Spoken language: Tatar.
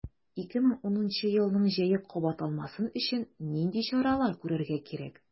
2010 елның җәе кабатланмасын өчен нинди чаралар күрергә кирәк?